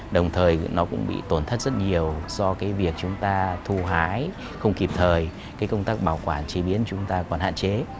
đồng thời nó cũng bị tổn thất rất nhiều do cái việc chúng ta thu hái không kịp thời cái công tác bảo quản chế biến chúng ta còn hạn chế